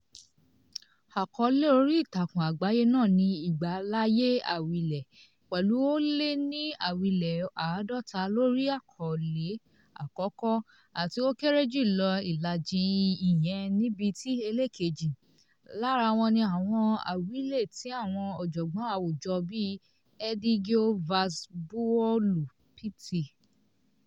Àkọ́ọ́lẹ̀ orí ìtàkùn àgbáyé náà ní ìgbàláàyé àwílé, pẹ̀lú ó lé ní àwílé 50 lórí àkọ́ọ́lẹ̀ àkọ́kọ́ àti ó kéré jùlọ ìlàjì ìyẹn níbi ti elẹ́ẹ̀kejì, lára wọn ni àwọn àwílé tí àwọn ọ̀jọ̀gbọ́n àwùjọ bíi Edigio Vaz buwọ́lù [pt].